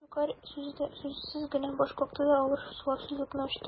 Щукарь сүзсез генә баш какты да, авыр сулап сүзлекне ачты.